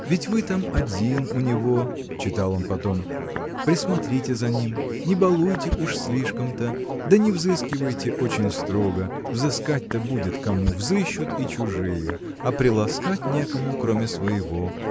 Ведь вы там один у него (читал он потом). Присмотрите за ним не балуйте уж слишком-то да и не взыскивайте очень строго взыскать-то будет кому взыщут и чужие а приласкать некому кроме своего